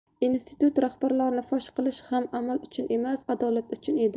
institut rahbarlarini fosh qilishi ham amal uchun emas adolat uchun edi